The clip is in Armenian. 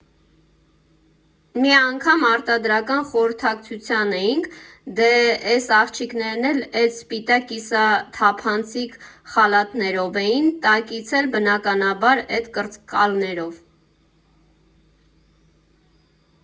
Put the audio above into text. Մի անգամ արտադրական խորհրդակցության էինք, դե էս աղջիկներն էլ էտ սպիտակ կիսաթափանցիկ խալաթներով էին, տակից էլ բնականաբար էտ կրծքկալներով։